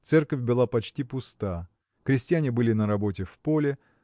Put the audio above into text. Церковь была почти пуста: крестьяне были на работе в поле